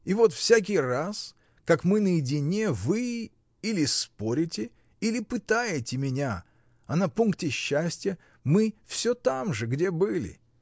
И вот всякий раз, как мы наедине, вы — или спорите, или пытаете меня, — а на пункте счастья мы всё там же, где были.